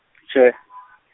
tjhe .